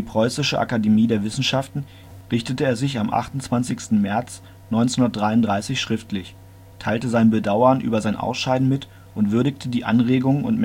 Preußische Akademie der Wissenschaften richtete er sich am 28. März 1933 schriftlich, teilte sein Bedauern über sein Ausscheiden mit und würdigte die Anregungen